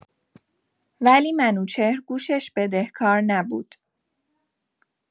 ولی منوچهر گوشش بدهکار نبود.